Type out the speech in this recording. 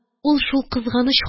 Ул шул кызганыч